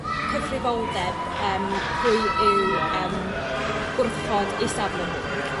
cyfrifoldeb yym pwy yw yym grwchod eu safle nhw?